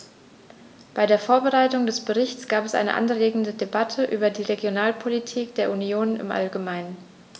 Bei der Vorbereitung des Berichts gab es eine anregende Debatte über die Regionalpolitik der Union im allgemeinen.